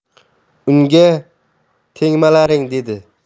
unga tegmalaring dedi